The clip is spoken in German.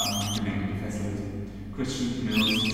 Handgelenken gefesselt. Christian, Mills